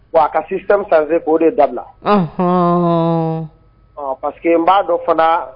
Wa a ka système changé ko de dabila parce que n b'a dɔn fana